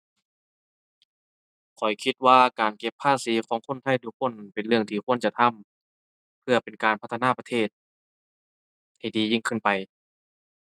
ข้อยคิดว่าการเก็บภาษีของคนไทยทุกคนเป็นเรื่องที่ควรจะทำ เพื่อเป็นการพัฒนาประเทศให้ดียิ่งขึ้นไป